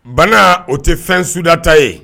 Bana o tɛ fɛn sudata ye